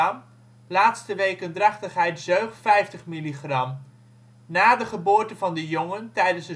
mg - Laatste weken drachtigheid zeug: 50 mg - Na de geboorte van de jongen/tijdens